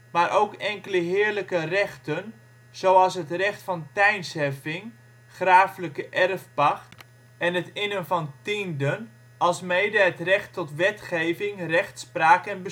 maar ook enkele heerlijke rechten zoals het recht van tijnsheffing (grafelijke erfpacht) en het innen van tienden, alsmede het recht tot wetgeving, rechtspraak en